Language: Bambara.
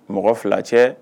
Mɔgɔ fila cɛ